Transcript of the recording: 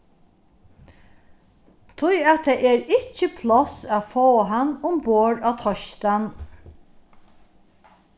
tí at tað er ikki pláss at fáa hann umborð á teistan